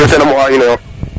mayu ten a mo a inoyo